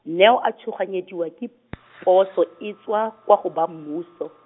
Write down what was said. Neo a tshoganyediwa ke poso e tswa, kwa go ba mmuso.